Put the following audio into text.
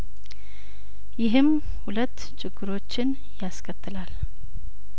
ይህም ሁለት ችግሮችን ያስከትላል